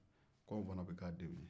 k'anw fana bɛ k'a denw ye